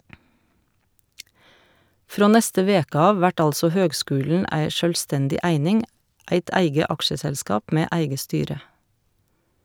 Frå neste veke av vert altså høgskulen ei sjølvstendig eining, eit eige aksjeselskap med eige styre.